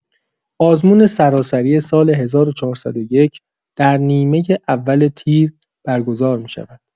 آزمون سراسری سال ۱۴۰۱ در نیمه‌اول تیر برگزار می‌شود.